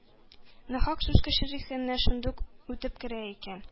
Нахак сүз кеше зиһененә шундук үтеп керә икән,